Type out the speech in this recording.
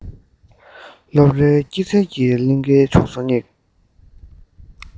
སློབ རའི སྐྱེད ཚལ གྱི གླིང གའི ཕྱོགས སུ སྙེག